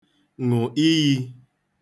ṅụ̀ iyī